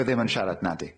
Dio ddim am siarad nadi.